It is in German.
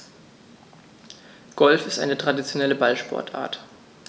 Golf ist eine traditionelle Ballsportart.